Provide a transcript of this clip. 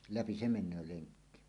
läpi se menee lenkki